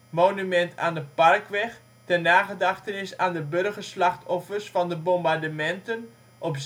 Monument aan de Parkweg ter nagedachtenis aan de burgerslachtoffers van de bombardementen op